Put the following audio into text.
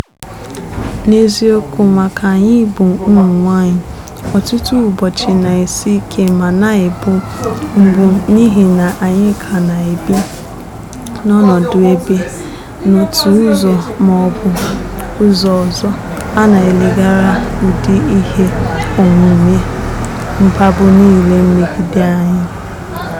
N'eziokwu, maka anyị bụ ụmụ nwaanyị, ọtụtụ ụbọchị na-esi ike ma na-egbu mgbu n'ihi na anyị ka na-ebi n'ọnọdụ ebe, n'otu ụzọ ma ọ bụ ,'ụzọ ọzọ, a na-eleghara ụdị ihe omume mkpagbu niile megide anyị.